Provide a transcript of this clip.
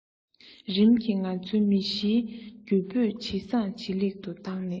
རིམ གྱིས ཁོ ཚོའི མི གཞིའི རྒྱུ སྤུས ཇེ བཟང ཇེ ལེགས སུ བཏང ནས